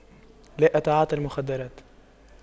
لا أتعاطى المخدرات